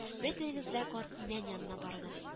Бөтенегез дә карт имән янына барыгыз